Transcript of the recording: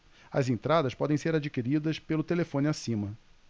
as entradas podem ser adquiridas pelo telefone acima